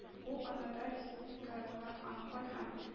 Бу атнада республикага Анхой һәм